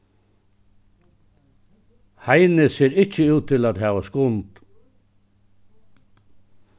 heini sær ikki út til at hava skund